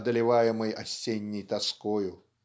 одолеваемый осенней тоскою.